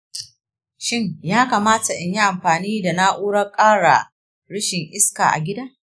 shin ya kamata in yi amfani da na'urar ƙara rishin iska a gida?